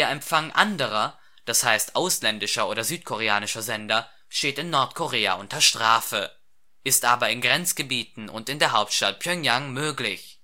Empfang anderer, d.h. ausländischer oder südkoreanischer Sender, steht in Nordkorea unter Strafe, ist aber in Grenzgebieten und in der Hauptstadt Pjöngjang möglich